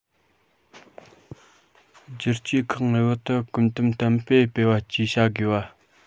བསྒྱུར བཅོས ཁག ངེས པར དུ གོམ སྟབས བརྟན པོས སྤེལ བ བཅས བྱ དགོས པ